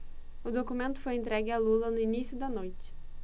o documento foi entregue a lula no início da noite